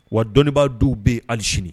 Wa dɔnniibaa dɔw bɛ ali sini